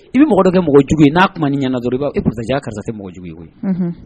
I bɛ mɔgɔ kɛ mɔgɔ jugu ye n'a kuma ni ɲana i b'a masajan karisa mɔgɔ jugu ye ye